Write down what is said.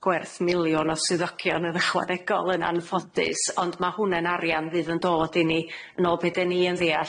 gwerth miliwn o swyddogion yn ychwanegol yn anffodus. Ond ma' hwnne'n arian fydd yn dod i ni yn ôl be' 'de ni yn ddeall,